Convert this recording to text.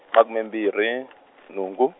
makume mbirhi, nhungu.